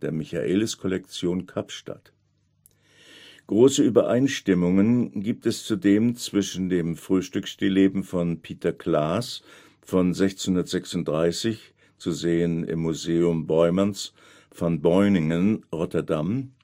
Michaelis Collection, Kapstadt). Große Übereinstimmungen gibt es zudem zwischen dem Frühstücksstillleben von Pieter Claesz von 1636 (Museum Boijmans van Beuningen, Rotterdam